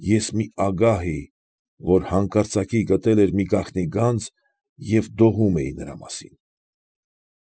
Ես մի ագահ էի, որ հանկարծակի գտել էի մի գաղտնի գանձ և դողում էի նրա մասին։